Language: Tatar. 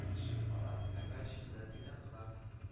Чем-кара мәрмәр читнә тыйнак кына